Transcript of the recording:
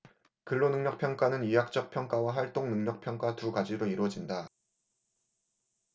근로능력평가는 의학적 평가와 활동능력 평가 두 가지로 이뤄진다